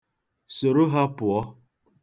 Soro ha pụọ.